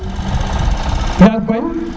yaag koy